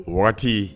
Waati wagati